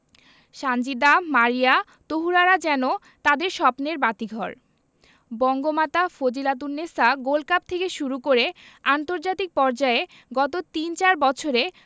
সানজিদা মারিয়া তহুরারা যেন তাদের স্বপ্নের বাতিঘর বঙ্গমাতা ফজিলাতুন্নেছা গোল্ড কাপ থেকে শুরু করে আন্তর্জাতিক পর্যায়ে গত তিন চার বছরে